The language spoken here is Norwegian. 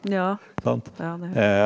ja ja det.